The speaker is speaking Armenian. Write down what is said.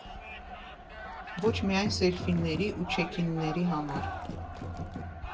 Ոչ միայն սելֆիների ու չեքինների համար։